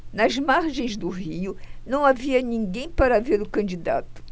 nas margens do rio não havia ninguém para ver o candidato